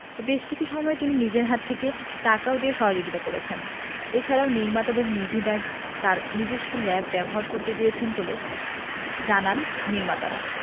বেশ কিছু সময়ে তিনি নিজের হাত থেকে টাকাও দিয়ে সহযোগিতা করেছেন এছাড়াও নির্মাতাদেরকে নির্দ্বিধায় তার নিজস্ব ল্যাব ব্যবহার করতে দিয়েছেন বলে জানান নির্মাতারা